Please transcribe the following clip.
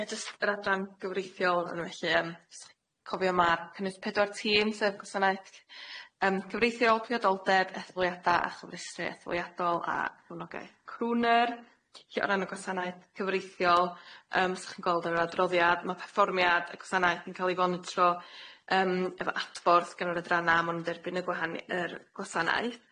Ie jyst yr adran gyfreithiol ono felly yym soch chi'n cofio ma'r cynnwys pedwar tîm sef gwasanaeth yym cyfreithiol priodoldeb etholoiada a chyfrestru etholoiadol a chyfnogaeth crwner, lle o ran y gwasanaeth cyfreithiol yym soch chi'n gweld yr adroddiad ma' perfformiad y gwasanaeth yn ca'l ei fonitro yym efo adborth gan yr adrana ma' nw'n dderbyn y gwahan- yr gwasanaeth.